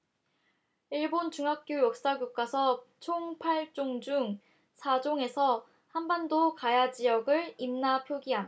일본 중학교 역사교과서 총 팔 종 중 사 종에서 한반도 가야지역을 임나 표기함